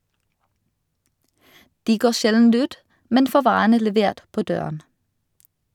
De går sjelden ut, men får varene levert på døren.